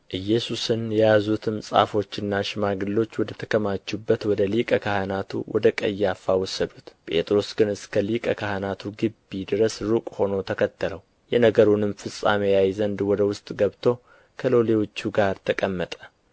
ኢየሱስን የያዙትም ጻፎችና ሽማግሎች ወደ ተከማቹበት ወደ ሊቀ ካህናቱ ወደ ቀያፋ ወሰዱት ጴጥሮስ ግን እስከ ሊቀ ካህናቱ ግቢ ድረስ ሩቅ ሆኖ ተከተለው የነገሩንም ፍጻሜ ያይ ዘንድ ወደ ውስጥ ገብቶ ከሎሌዎቹ ጋር ተቀመጠ